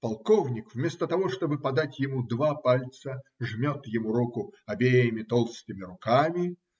полковник, вместо того чтобы подать ему два пальца, жмет ему руку обеими толстыми руками